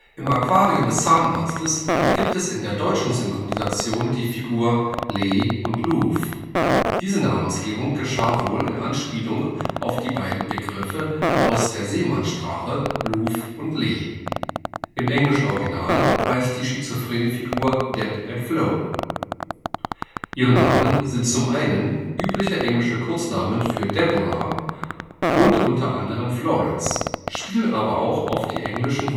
Im Aquarium des Zahnarztes gibt es in der deutschen Synchronversion die Figur Lee & Luv. Diese Namensgebung geschah wohl in Anspielung auf die beiden Begriffe aus der Seemannssprache, Luv und Lee. Im englischen Original heißt die schizophrene Figur Deb & Flo. Ihre Namen sind zum einen übliche englische Kurzformen von Deborah und unter anderem Florence, spielen aber auch auf die englischen